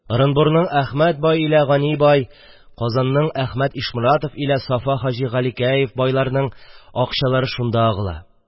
ОрынбурныңӘхмәт бай илә Гани бай, Казанның Әхмәт Ишморатов илә Сафа Хаҗи Галикәев байларның акчалары шунда агыла